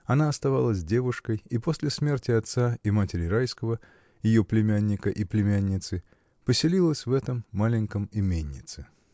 она осталась девушкой, и после смерти отца и матери Райского, ее племянника и племянницы, поселилась в этом маленьком именьице.